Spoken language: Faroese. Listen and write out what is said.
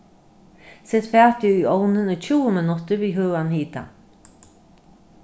set fatið í ovnin í tjúgu minuttir við høgan hita